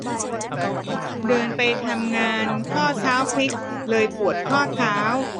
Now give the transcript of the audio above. เดินไปทำงานข้อเท้าพลิกเลยปวดข้อเท้า